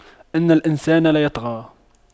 إِنَّ الإِنسَانَ لَيَطغَى